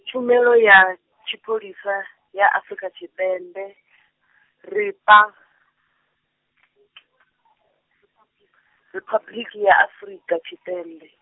Tshumelo ya, Tshipholisa, ya Afrika Tshipembe Ripha-, Riphabuḽiki ya Afrika Tshipembe.